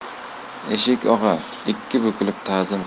eshik og'a ikki bukilib tazim